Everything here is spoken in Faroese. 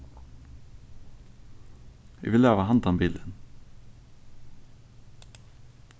eg vil hava handa bilin